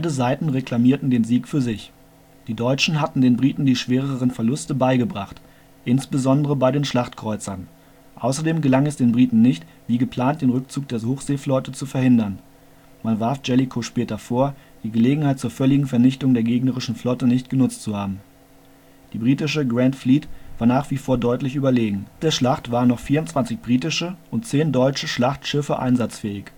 Seiten reklamierten den Sieg für sich: Die Deutschen hatten den Briten die schwereren Verluste beigebracht, insbesondere bei den Schlachtkreuzern. Außerdem gelang es den Briten nicht, wie geplant den Rückzug der Hochseeflotte zu verhindern. Man warf Jellicoe später vor, die Gelegenheit zur völligen Vernichtung der gegnerischen Flotte nicht genutzt zu haben. Die Britische Grand Fleet war nach wie vor deutlich überlegen. Nach der Schlacht waren noch 24 britische und zehn deutsche Schlachtschiffe einsatzfähig